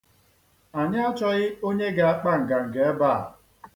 Anyị achọghị onye ga-akpa nganga ebe a.